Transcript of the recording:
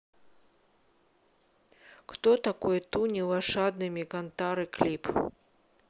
кто такой туни лошадными кантары клип